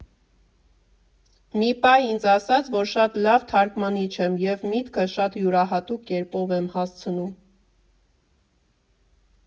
Մի պահ ինձ ասաց, որ շատ լավ թարգմանիչ եմ և միտքը շատ յուրահատուկ կերպով եմ հասցնում։